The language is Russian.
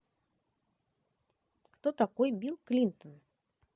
кто такой билл клинтон